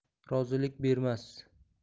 rozilik bermas